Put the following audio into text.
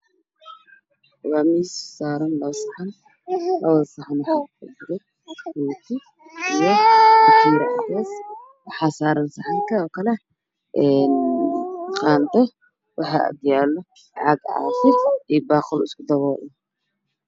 Waa miis saaran labo saxan labada saxan waxa ku kala jiro rooti iyo bakeeri cadees Waxa saaran saxanka oo kale qaando waxa ag yaallo caag caafi iyo baaquli isku daboolan